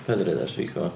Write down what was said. Paid â roid o ar speakehone.